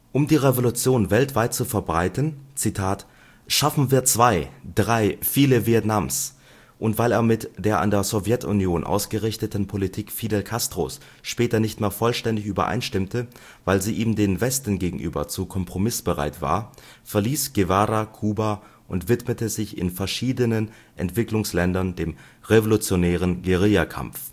Um die Revolution weltweit zu verbreiten (Zitat: „ Schaffen wir zwei, drei, viele Vietnams “), und weil er mit der an der Sowjetunion ausgerichteten Politik Fidel Castros später nicht mehr vollständig übereinstimmte, weil sie ihm dem Westen gegenüber zu kompromissbereit war, verließ Guevara Kuba und widmete sich in verschiedenen Entwicklungsländern dem revolutionären Guerillakampf